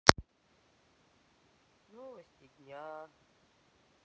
новости дня